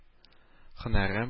Һөнәрем